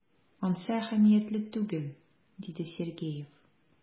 Ансы әһәмиятле түгел,— диде Сергеев.